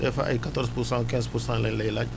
des fois ay 14 pour cent ou 15 pour cent la ñu lay laaj